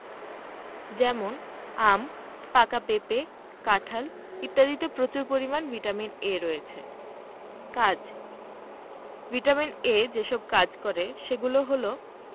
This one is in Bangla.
যেমন আম পাকা পেঁপে কাঁঠাল ইত্যাদিতে প্রচুর পরিমান ভিটামিন A রয়েছে কাজ ভিটামিন A যেসব কাজ করে সেগুলো হলো